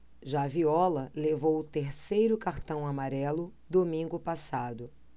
já viola levou o terceiro cartão amarelo domingo passado